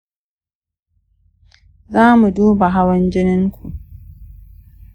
za mu duba hawan jinin ku